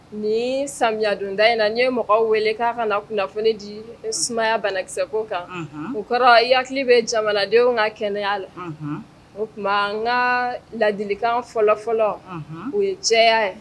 Nin samiyɛdonda in na n ye mɔgɔw wele k'a ka na kunnafoni di sumaya banakisɛko kan o kɔrɔ hakili bɛ jamanadenw ka kɛnɛya la o tuma n ka ladilikan fɔlɔ fɔlɔ o ye jɛya ye